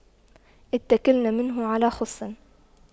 اتَّكَلْنا منه على خُصٍّ